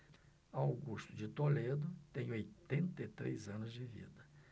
augusto de toledo tem oitenta e três anos de vida